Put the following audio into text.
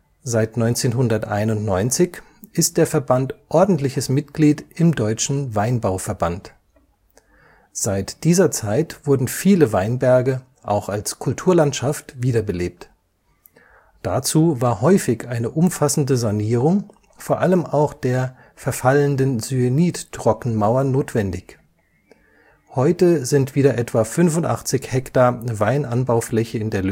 Seit 1991 ist der Verband ordentliches Mitglied im Deutschen Weinbauverband. Seit dieser Zeit wurden viele Weinberge, auch als Kulturlandschaft, wiederbelebt. Dazu war häufig eine umfassende Sanierung vor allem auch der verfallenden Syenit-Trockenmauern notwendig. Heute sind wieder etwa 85 Hektar Weinanbaufläche in der